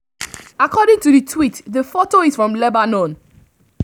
According to the tweet, the photo is from Lebanon.